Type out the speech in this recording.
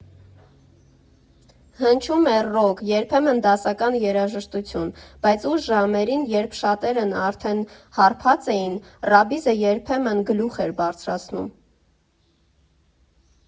Հնչում էր ռոք, երբեմն դասական երաժշտություն, բայց ուշ ժամերին, երբ շատերն արդեն հարբած էին, ռաբիզը երբեմն գլուխ էր բարձրացնում։